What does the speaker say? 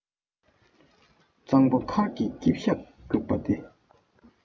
གཙང པོ མཁར གྱི དཀྱིལ ཞབས རྒྱུགས པ དེ